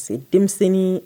Parce que denmisɛnnin